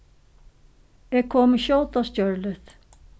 eg komi skjótast gjørligt